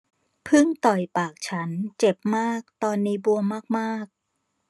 ผึ้งต่อยปากฉันเจ็บมากตอนนี้บวมมากมาก